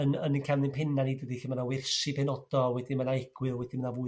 Yn yn ein camau'n pennau ni dydi lle ma' 'na wersi penodol wedyn ma' 'na egwyl wedyn ma' 'na fwy